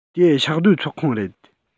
དེ ཕྱོགས བསྡུས ཚོགས ཁང རེད